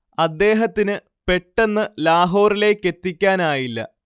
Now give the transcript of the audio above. അദ്ദേഹത്തിന് പെട്ടെന്ന് ലാഹോറിലേക്കെത്തിക്കാനായില്ല